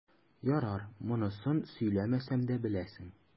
Ярар, монысын сөйләмәсәм дә беләсең.